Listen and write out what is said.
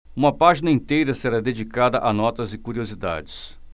uma página inteira será dedicada a notas e curiosidades